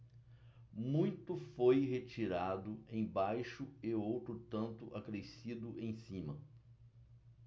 muito foi retirado embaixo e outro tanto acrescido em cima